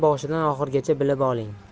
boshidan oxirigacha bilib oling